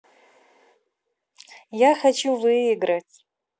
я хочу выиграть